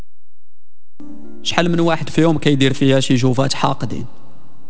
حلم الواحد في عيونك يدير فيها شيء حاقدين